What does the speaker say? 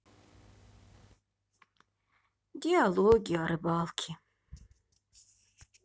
диалоги о рыбалке